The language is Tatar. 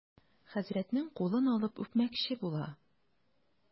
Хәзрәтнең кулын алып үпмәкче була.